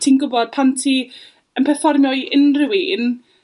ti'n gwbod pan ti yn perfformio i unryw un